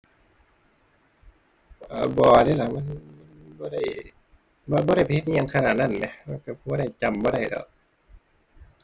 อ่า บ่เดะล่ะ มัน บ่ได้ ว่าบ่ได้ไปเฮ็ดอิหยังขนาดนั้นแหม เราเราบ่ได้ จำบ่ได้แหล้ว